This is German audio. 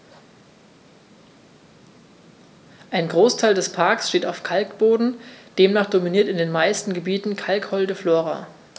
Ein Großteil des Parks steht auf Kalkboden, demnach dominiert in den meisten Gebieten kalkholde Flora.